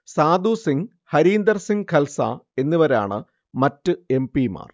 സാധു സിങ്, ഹരീന്ദർ സിങ് ഖൽസ എന്നിവരാണു മറ്റ് എംപിമാർ